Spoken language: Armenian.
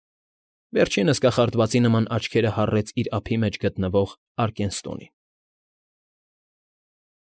Վերջինս կախարդվածի նման աչքերը հառեց իր ափի մեջ գտնվող Արկենստոնին։ ֊